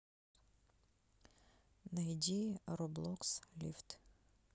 найди роблокс лифт